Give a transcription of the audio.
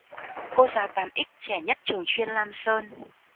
cô giáo tám x trẻ nhất trường chuyên lam sơn